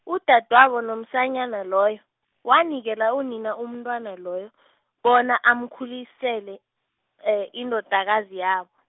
udadwabo lomsanyana loyo, wanikela unina umntwana loyo , bona amkhulisele, indodakazi yabo.